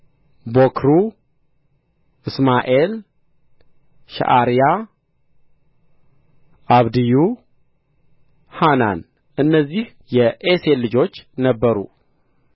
ቦክሩ እስማኤል ሸዓሪያ አብድዩ ሐናን እነዚህ የኤሴል ልጆች ነበሩ